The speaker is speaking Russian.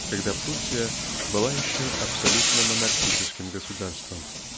когда Пруссия была еще абсолютно монархическим государством.